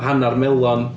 Hanner melon...